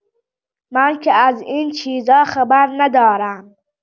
من که از این چیزا خبر ندارم.